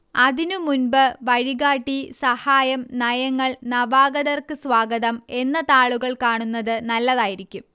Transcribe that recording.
അതിനുമുൻപ് വഴികാട്ടി സഹായം നയങ്ങൾ നവാഗതർക്ക് സ്വാഗതം എന്ന താളുകൾ കാണുന്നത് നല്ലതായിരിക്കും